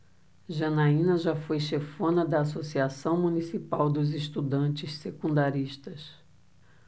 janaina foi chefona da ames associação municipal dos estudantes secundaristas